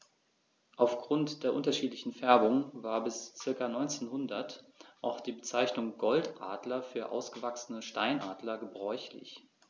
Auf Grund der unterschiedlichen Färbung war bis ca. 1900 auch die Bezeichnung Goldadler für ausgewachsene Steinadler gebräuchlich.